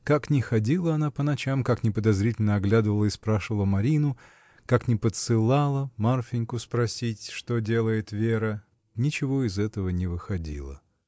Как ни ходила она по ночам, как ни подозрительно оглядывала и опрашивала Марину, как ни подсылала Марфиньку спросить, что делает Вера: ничего из этого не выходило.